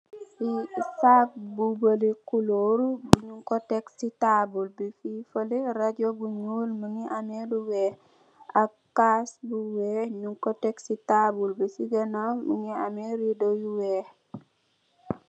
Lii sakk bu bari kolor, nyun ko teg si tabul bi, fii, fale, rajo bu nyuul mingi amme lu weex, ak kas bu weex nyun ko teg si tabul bi, si ganaw mingi amme rido yu weex